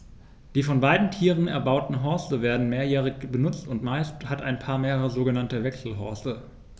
Die von beiden Tieren erbauten Horste werden mehrjährig benutzt, und meist hat ein Paar mehrere sogenannte Wechselhorste.